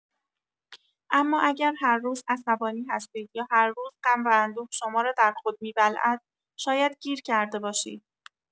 اما اگر هر روز عصبانی هستید یا هر روز غم و اندوه شما را در خود می‌بلعد، شاید گیر کرده باشید.